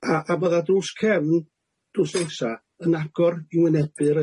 a a bydda drws cefn drws nesa yn agor i wynebu'r